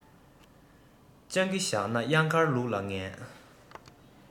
སྤྱང ཀི བཞག ན གཡང དཀར ལུག ལ ངན